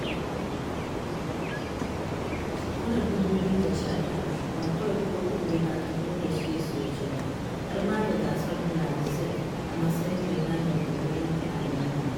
A 2019, ba kawai Kofin Libertadores Yesu ya ci ba, har ma da Gasar Brazil a matsayin mai ba da horo na Flamengo.